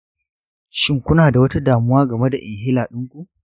shin kuna da wata damuwa game da inhaler dinku?